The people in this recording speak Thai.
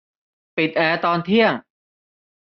ปิดแอร์ตอนเที่ยง